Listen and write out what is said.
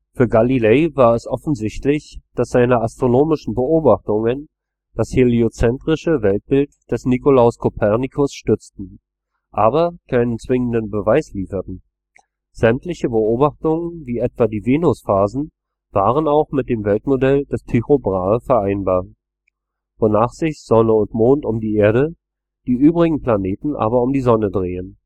Galilei war es offensichtlich, dass seine astronomischen Beobachtungen das heliozentrische Weltbild des Nikolaus Kopernikus stützten, aber keinen zwingenden Beweis lieferten: Sämtliche Beobachtungen wie etwa die Venusphasen waren auch mit dem Weltmodell des Tycho Brahe vereinbar, wonach sich Sonne und Mond um die Erde, die übrigen Planeten aber um die Sonne drehen